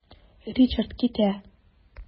Ричард китә.